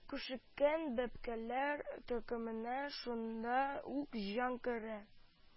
Күшеккән бәбкәләр төркеменә шунда ук җан керә